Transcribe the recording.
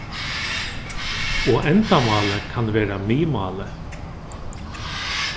og endamálið kann vera miðmáli